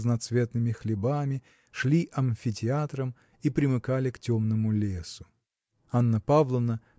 разноцветными хлебами шли амфитеатром и примыкали к темному лесу. Анна Павловна